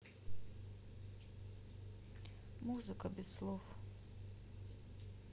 музыка без слов